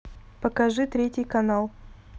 покажи третий канал